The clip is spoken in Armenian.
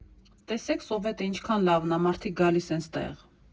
Տեսեք Սովետը ինչքան լավն ա, մարդիկ գալիս են ստեղ։